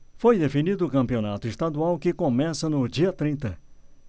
foi definido o campeonato estadual que começa no dia trinta